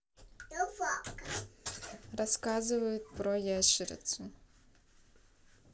рассказывают про ящерицу